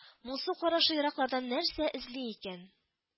Моңсу карашы ераклардан нәрсә эзли икән